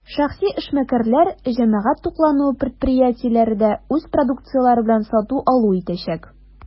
Шәхси эшмәкәрләр, җәмәгать туклануы предприятиеләре дә үз продукцияләре белән сату-алу итәчәк.